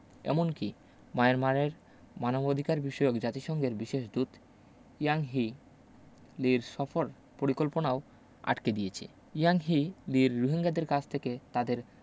এমনকি মায়ানমারে মানবাধিকারবিষয়ক জাতিসংঘের বিশেষ দূত ইয়াংহি লির সফর পরিকল্পনাও আটকে দিয়েছে ইয়াংহি লির রোহিঙ্গাদের কাছ থেকে তাদের